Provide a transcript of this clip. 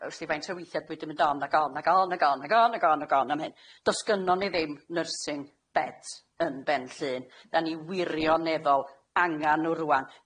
Wrthi faint o withiad dwi di mynd on ag on ag on ag on ag on am hyn. Dos gynno ni ddim nursing beds yn Benllyn. Da ni wirioneddol angen nhw rwan!